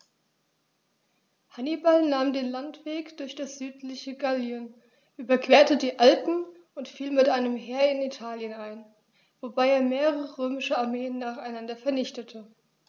Hannibal nahm den Landweg durch das südliche Gallien, überquerte die Alpen und fiel mit einem Heer in Italien ein, wobei er mehrere römische Armeen nacheinander vernichtete.